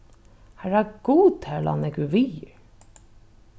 harra gud har lá nógvur viður